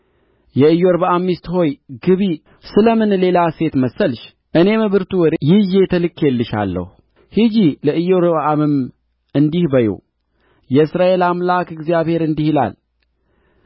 የኢዮርብዓም ሚስት ሆይ ግቢ ስለ ምንስ ሌላ ሴት መሰልሽ እኔም ብርቱ ወሬ ይዤ ተልኬልሻለሁ ሂጂ ለኢዮርብዓምም እንዲህ በዪው የእስራኤል አምላክ እግዚአብሔር እንዲህ ይላል